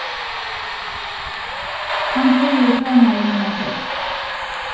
hann búði í kamari nummar seks